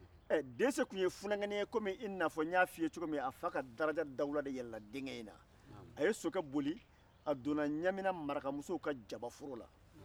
ɛɛ dɛsɛ tun ye funakenin i n'a fɔ n tun y'a fɔ iɲɛna cogoya min na a fa ka daraja dawula de yɛlɛnna den in na a ye sokɛ boli a donna ɲamina marakamusow ka jaba feere la